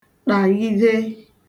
ṭàghide